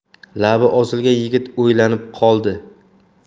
labi osilgan yigit o'ylanib qoldi